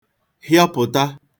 hịọpụ̀ta